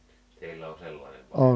teillä on sellainen vai